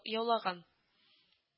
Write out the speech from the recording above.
Яулаган